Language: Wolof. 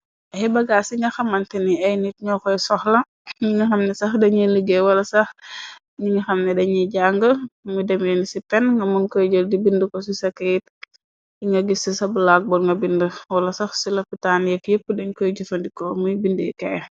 Ayyebagaas ci nga xamante ni ay nit ñoo koy soxla. Nyi ngi xam ni sax dañuy liggéey wala sax ñi ngi xamni dañiy jang. Muy demeeni ci penn nga mun koy jër di bind ko ci sekayit yi nga gis ci sabu laagbor. Nga bind wala sax ci lapitaan yeek yépp dañ koy jëfandikoo muy bindekaay.